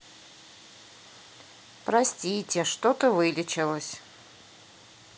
простите что то вылечилось